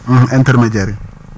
intermédiares yi